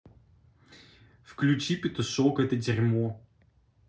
выключи петушок это дерьмо